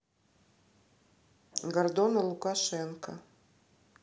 гордон и лукашенко